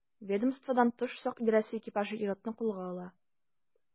Ведомстводан тыш сак идарәсе экипажы ир-атны кулга ала.